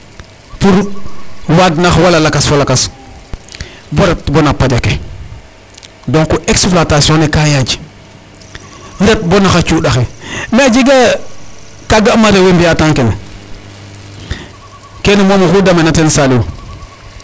Pour waadnax wala lakas fo lakas bo ret bo na paƴ ake donc exploitation ne ka yaaj ret bo na xa cuuƭ axe ,mais a jega ka ga'uma rew we mbi'aa tang kene keene moom axu dameana teen Saliou xan a ɗom lool.